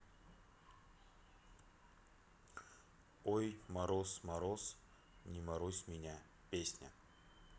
ой мороз мороз не морозь меня песня